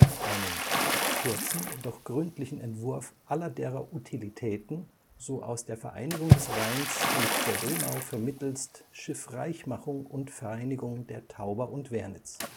einen „ Kurtzen doch gründlichen Entwurff Aller derer Utilitäten, so aus der Vereinigung des Rheins mit der Donau vermittelst Schiffreichmachung und Vereinigung der Tauber und Wernitz…